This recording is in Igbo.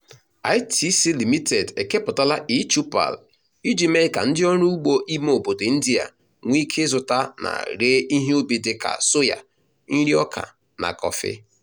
ITC Limited ekepụtala E-Choupal iji mee ka ndịọrụ ugbo ime obodo India nwee ike ịzụta na ree ihe ubi dịka soya, nriọka, na kọfị.